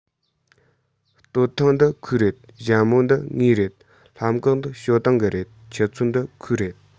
སྟོད ཐུང འདི ཁོའི རེད ཞྭ མོ འདི ངའི རེད ལྷམ གོག འདི ཞའོ ཏིང གི རེད ཆུ ཚོད འདི ཁོའི རེད